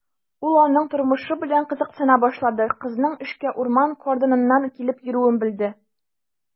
Ул аның тормышы белән кызыксына башлады, кызның эшкә урман кордоныннан килеп йөрүен белде.